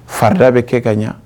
Farida bɛ kɛ ka ɲa